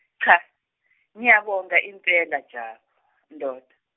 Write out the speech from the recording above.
cha, ngiyabonga impela Jabu ndoda.